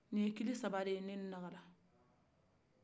nin ye kili saba de ye ne nakala